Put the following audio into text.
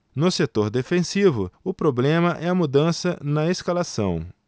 no setor defensivo o problema é a mudança na escalação